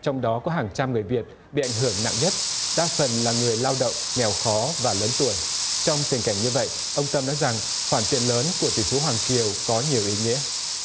trong đó có hàng trăm người việt bị ảnh hưởng nặng nhất đa phần là người lao động nghèo khó và lớn tuổi trong tình cảnh như vậy ông tâm nói rằng khoản tiền lớn của tỷ phú hoàng kiều có nhiều ý nghĩa